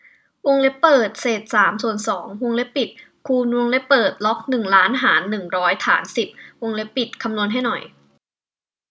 วงเล็บเปิดเศษสามส่วนสองวงเล็บปิดคูณวงเล็บเปิดล็อกหนึ่งล้านหารหนึ่งร้อยฐานสิบวงเล็บปิดคำนวณให้หน่อย